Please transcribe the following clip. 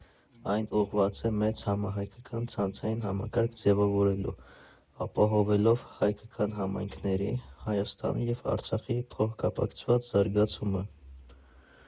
Այն ուղղված է մեծ համահայկական ցանցային համակարգ ձևավորելու՝ ապահովելով հայկական համայնքների, Հայաստանի և Արցախի փոխկապակցված զարգացումը։